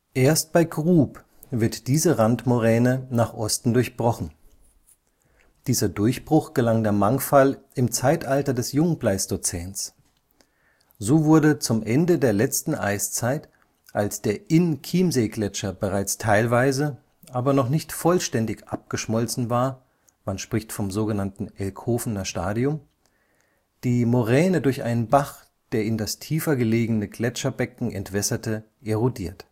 Erst bei Grub wird diese Randmoräne nach Osten durchbrochen. Dieser Durchbruch gelang der Mangfall im Zeitalter des Jungpleistozäns. So wurde zum Ende der letzten Eiszeit, als der Inn-Chiemsee-Gletscher bereits teilweise, aber noch nicht vollständig abgeschmolzen war (sog. Ellkofener Stadium), die Moräne durch einen Bach, der in das tiefer gelegene Gletscherbecken entwässerte, erodiert